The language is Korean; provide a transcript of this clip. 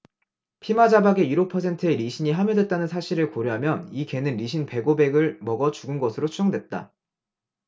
피마자박에 일 오 퍼센트의 리신이 함유됐다는 사실을 고려하면 이 개는 리신 백 오백 을 먹어 죽은 것으로 추정됐다